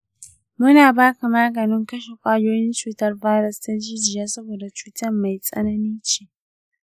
muna ba ka maganin kashe kwayoyin cutan virus ta jijiya saboda cutan mai tsanani ce.